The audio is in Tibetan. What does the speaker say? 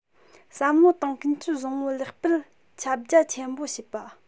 བསམ བློ དང ཀུན སྤྱོད བཟང པོ ལེགས སྤེལ ཁྱབ རྒྱ ཆེན པོ བྱས པ